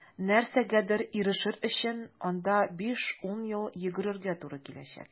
Нәрсәгәдер ирешер өчен анда 5-10 ел йөгерергә туры киләчәк.